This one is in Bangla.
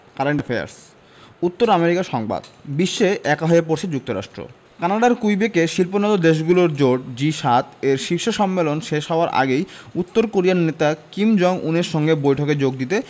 কারেন্ট অ্যাফেয়ার্স উত্তর আমেরিকা সংবাদ বিশ্বে একা হয়ে পড়ছে যুক্তরাষ্ট্র কানাডার কুইবেকে শিল্পোন্নত দেশগুলোর জোট জি ৭ এর শীর্ষ সম্মেলন শেষ হওয়ার আগেই উত্তর কোরিয়ার নেতা কিম জং উনের সঙ্গে বৈঠকে যোগ দিতে